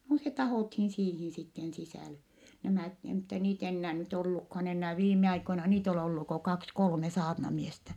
no se tahdottiin siihen sitten sisälle nämä - mutta niitä enää nyt ollutkaan enää viime aikoina niitä on ollut kuin kaksi kolme saarnamiestä